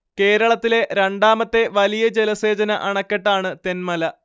കേരളത്തിലെ രണ്ടാമത്തെ വലിയ ജലസേചന അണക്കെട്ടാണ് തെന്മല